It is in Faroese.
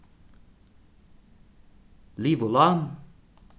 livulág